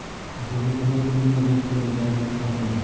asadbek nima uchun bunday deb so'raganini o'zi ham bilmadi